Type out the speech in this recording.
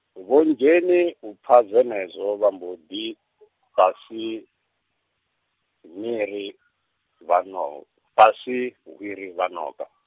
Vho Nnzeni u pfa zwenezwo vha mbo ḓi , fhasi, miri , vha no-, fhasi hwiri vha ṋoka .